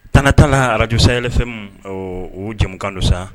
Tan'ala arajsayfɛ jɛ kan don sa